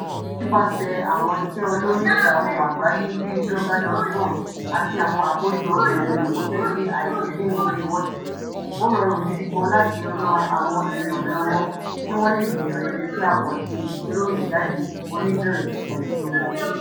Nípasẹ̀ àwọn iṣẹ́ olórí-ìtakùn àgbáyé bíi Blogger.com àti àwọn àkójọ èlò ìmúṣẹ́ṣe àìrídìmú bíi WordPress, ó rọrùn gidi gan láti ran àwọn èèyàn lọ́wọ́ kí wọ́n lè bẹ̀rẹ̀ iṣẹ́ àkànṣe ìgbéròyìnjáde oníbẹ̀rẹ̀pẹ̀pẹ̀ tiwọn.